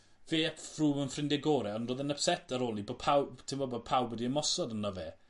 fe a Froome yn ffrindie gore ond odd yn ypset ar ôl 'ny bo' pawb t'mo' bo' pawb wedi ymosod arno fe.